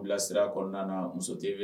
Furu bilasira kɔnɔna muso